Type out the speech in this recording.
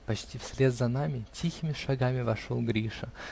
Почти вслед за нами тихими шагами вошел Гриша.